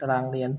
ตารางเรียน